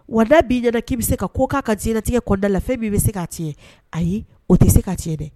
Wa n'a b'i ɲɛna k'i bɛ se ka ko k'a ka diɲɛnatigɛ kɔnɔna na fɛn min i bɛ se k'a ytiɲɛ ayi o tɛ se ka tiɲɛ dɛ